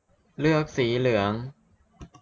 เลือกสีเหลือง